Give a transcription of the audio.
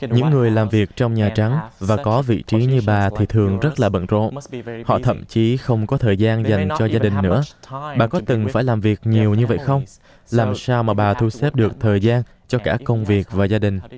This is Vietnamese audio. những người làm việc trong nhà trắng và có vị trí như bà thì thường rất là bận rộn họ thậm chí không có thời gian dành cho gia đình nữa bạn có từng phải làm việc nhiều như vậy không làm sao mà bà thu xếp được thời gian cho cả công việc và gia đình